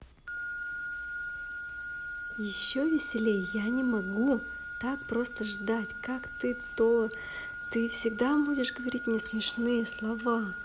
еще веселее я не могу так просто ждать как ты то ты всегда будешь говорить мне смешные слова